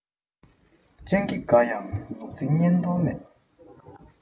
སྤྱང ཀི དགའ ཡང ལུག རྫི ཉན མདོག མེད